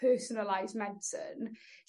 personalised medicine